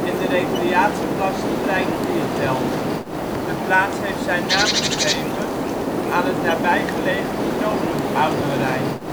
en de recreatieplas Strijkviertel. De plaats heeft zijn naam gegeven aan het nabij gelegen Knooppunt Oudenrijn